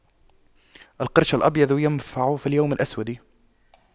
القرش الأبيض ينفع في اليوم الأسود